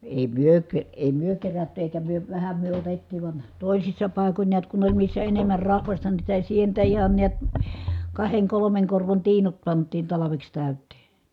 ei me - ei me kerätty eikä me vähän me otettiin vaan toisissa paikoin näet kun oli missä enemmän rahvasta niin sitä sientä ihan näet kahden kolmen korvon tiinut pantiin talveksi täyteen